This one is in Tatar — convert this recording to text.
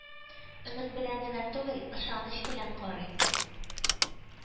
Өмет белән генә түгел, ышаныч белән карый